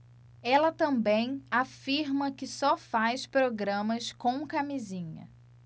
ela também afirma que só faz programas com camisinha